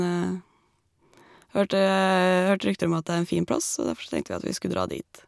hørte Hørt rykter om at det er en fin plass, så derfor så tenkte vi at vi skulle dra dit.